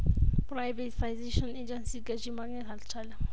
ፕራይቬታይዜሽን ኤጀንሲ ገዢ ማግኘት አልቻለም